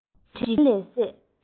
རྗེས དྲན ལས སད